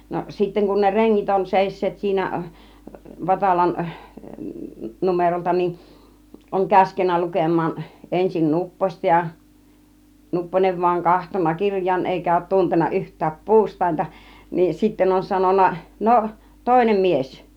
no sitten kun ne rengit on seisseet siinä Vatalan numerolta niin on käskenyt lukemaan ensin Nupposta ja Nupponen vain on katsonut kirjaan eikä ole tuntenut yhtään puustainta niin sitten on sanonut no toinen mies